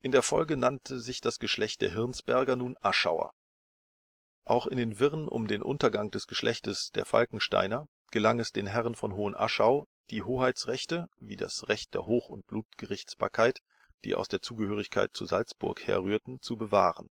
der Folge nannte sich das Geschlecht der Hirnsberger nun Aschauer. Auch in den Wirren um den Untergang des Geschlechtes der Falkensteiner gelang es den Herren von Hohenaschau, die Hoheitsrechte wie das Recht der Hoch - und Blutgerichtsbarkeit, die aus der Zugehörigkeit zu Salzburg herrührten, zu bewahren